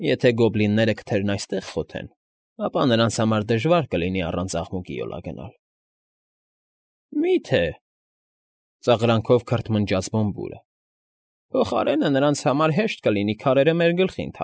Եթե գոբլինները քթերն այստեղ խոթեն, ապա նրանց համար դժվար կլինի առանց աղմուկի յոլա գնալ։ ֊ Մի՞թե,֊ ծաղրանքով քրթմնջաց Բոմբուրը։֊ Փոխարենը նրանց համար հեշտ կլինի քարերը մեր գլխին։